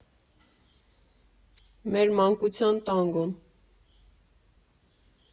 Մեր մանկության տանգոն։